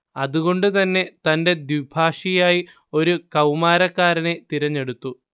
അതുകൊണ്ട് തന്നെ തന്റെ ദ്വിഭാഷിയായി ഒരു കൗമാരക്കാരനെ തിരഞ്ഞെടുത്തു